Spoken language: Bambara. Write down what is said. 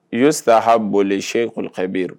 I' saraha boli sɛ kɔnɔ bɛ yenur